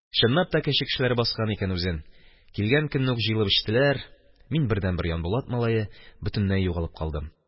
Чынлап та, Кәче кешеләре баскан икән үзен, килгән көнне үк җыелып эчтеләр, мин – бердәнбер Янбулат малае – бөтенләй югалып калдым.